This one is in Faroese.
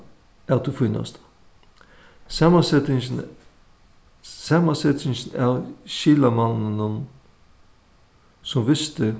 av tí fínasta samansetingin samansetingin av skilamanninum sum visti